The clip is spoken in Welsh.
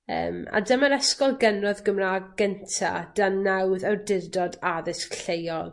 Yym a dyma'r ysgol gynradd Gymra'g gynta dan nawdd awdurdod addysg lleol.